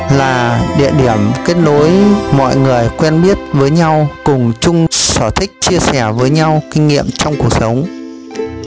là địa điểm kết nối mọi người quen biết với nhau cùng chung sở thích chia sẻ với nhau kinh nghiệm trong cuộc sống